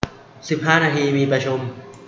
สิบห้านาทีมีประชุม